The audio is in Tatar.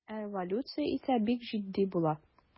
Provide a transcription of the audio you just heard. Ә эволюция исә бик җитди була.